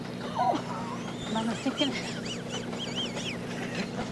Ma' 'na* .